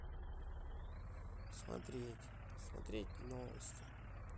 смотреть смотреть новости